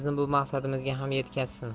bizni bu maqsadimizga ham yetkazsin